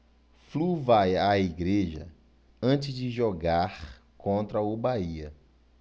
flu vai à igreja antes de jogar contra o bahia